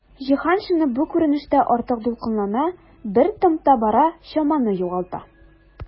Җиһаншина бу күренештә артык дулкынлана, бер темпта бара, чаманы югалта.